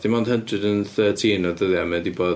Dim ond hundred and thirteen o dyddia ma' o 'di bod...